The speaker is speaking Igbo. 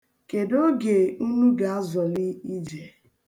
Kedu oge unu ga-azoli ije?